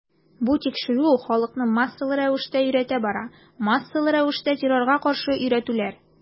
Бу тикшерү, халыкны массалы рәвештә өйрәтү бара, массалы рәвештә террорга каршы өйрәтүләр.